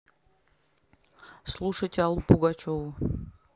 слушать аллу пугачеву